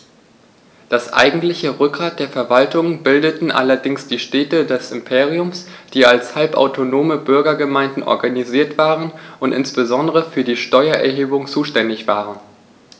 Das eigentliche Rückgrat der Verwaltung bildeten allerdings die Städte des Imperiums, die als halbautonome Bürgergemeinden organisiert waren und insbesondere für die Steuererhebung zuständig waren.